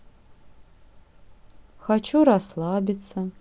хочу расслабиться